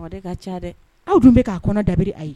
Ka ca dɛ aw dun bɛ k'a kɔnɔ dari a ye